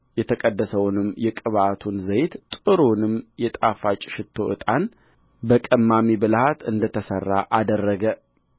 የተቀደሰውንም የቅብዓቱን ዘይት ጥሩውንም የጣፋጭ ሽቱ ዕጣን በቀማሚ ብልሃት እንደ ተሠራ አደረገ